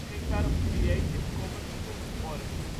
52° 5 ' NB 4° 54 ' OL